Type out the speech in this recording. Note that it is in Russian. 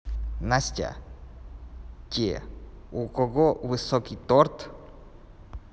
настя те у кого высокий торт